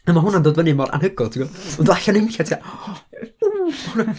A ma' hwnna'n dod fyny mor anhygoel, ti'n gwbo'? Ma'n dod allan o nunlla, ti fatha...